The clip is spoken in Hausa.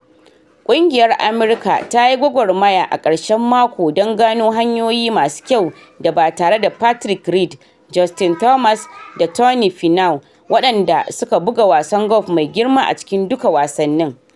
Kungiyar Amurka ta yi gwagwarmaya a karshen mako don gano hanyoyi masu kyau da ba tare da Patrick Reed, Justin Thomas da Tony Finau, waɗanda suka buga wasan golf mai girma a cikin duka wasannin.